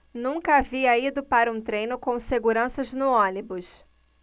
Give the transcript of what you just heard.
nunca havia ido para um treino com seguranças no ônibus